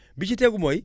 bi ci tegu mooy